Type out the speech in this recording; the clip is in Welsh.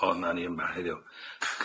ohonan ni yma heddiw.